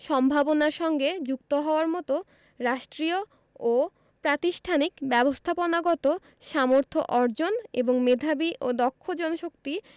সম্ভাবনার সঙ্গে যুক্ত হওয়ার মতো রাষ্ট্রীয় ও প্রাতিষ্ঠানিক ব্যবস্থাপনাগত সামর্থ্য অর্জন এবং মেধাবী ও দক্ষ জনশক্তি